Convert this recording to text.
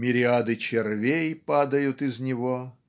"мириады червей падают из него"